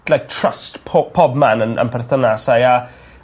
gyda trust pob- pobman yn yn perthynasau a